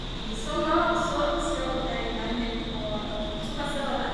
I sommer så skal jeg nemlig på to festivaler.